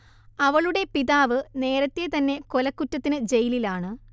അവളുടെ പിതാവ് നേരത്തെ തന്നെ കൊലകുറ്റത്തിനു ജയിലാണ്